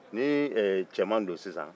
ni den cɛman don sisan